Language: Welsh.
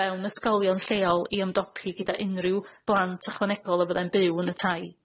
fewn ysgolion lleol i ymdopi gyda unryw blant ychwanegol a fyddai'n byw yn y tai.